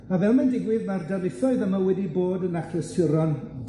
a fel mae'n digwydd, ma'r darlithoedd yma wedi bod yn achlysuron